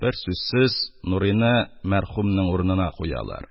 Берсүзсез, нурыйны мәрхүмнең урынына куялар.